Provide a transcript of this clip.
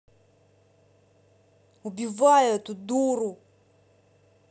убиваю эту дуру